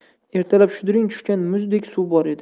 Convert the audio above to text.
ertalab shudring tushgan muzdek suv bor edi